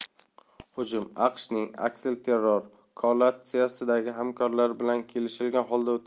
hujum aqshning aksilterror koalitsiyadagi hamkorlari bilan kelishilgan